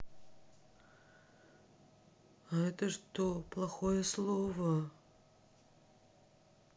а это что плохое слово